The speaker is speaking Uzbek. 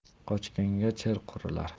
qochganga cher qurilar